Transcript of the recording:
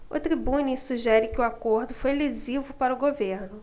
o tribune sugere que o acordo foi lesivo para o governo